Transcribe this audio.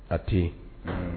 A tɛ